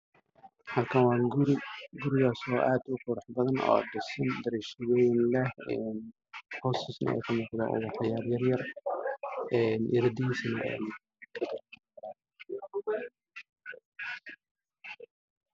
Waa guri villa ah midabkiisii haye cadaan waana guri cusub oo diyaarsan ka waa